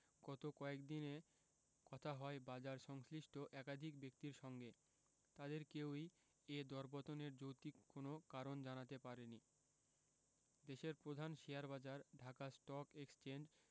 গত কয়েক দিনে কথা হয় বাজারসংশ্লিষ্ট একাধিক ব্যক্তির সঙ্গে তাঁদের কেউই এ দরপতনের যৌক্তিক কোনো কারণ জানাতে পারেননি দেশের প্রধান শেয়ারবাজার ঢাকা স্টক এক্সচেঞ্জ